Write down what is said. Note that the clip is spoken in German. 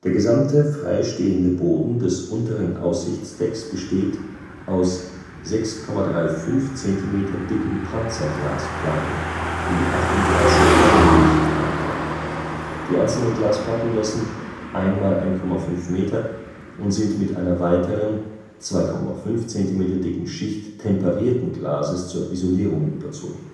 gesamte freistehende Boden des unteren Aussichtsdecks besteht aus 6,35 Zentimeter dicken Panzerglasplatten, die 38 Tonnen Gewicht tragen können. Die einzelnen Glasplatten messen 1×1,5 Meter und sind mit einer weiteren, 2,5 cm dicken Schicht temperierten Glases zur Isolierung überzogen